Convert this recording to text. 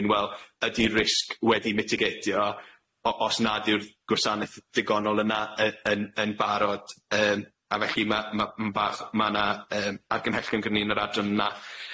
wel ydi risg wedi mitigatio o- os nad yw'r gwasaneth ddigonol yna y- yn yn barod yym a felly ma' ma' ma'n bach ma' 'na yym argymhellion gyda ni yn yr adran yna.